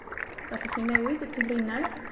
Gallwch chi newid y cyfrinair,